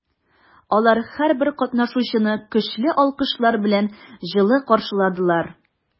Алар һәрбер катнашучыны көчле алкышлар белән җылы каршыладылар.